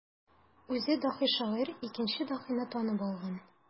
Үзе даһи шагыйрь икенче даһине танып алган.